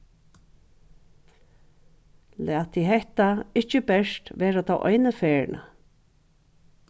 latið hetta ikki bert vera ta einu ferðina